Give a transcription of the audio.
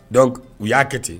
Dɔnc u y'a kɛ ten